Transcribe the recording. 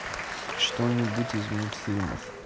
что нибудь из мультфильмов